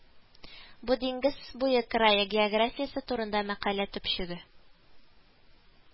Бу Диңгез буе крае географиясе турында мәкалә төпчеге